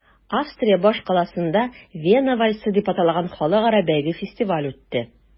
Австрия башкаласында “Вена вальсы” дип аталган халыкара бәйге-фестиваль үтте.